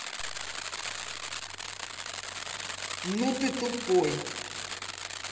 ну ты тупой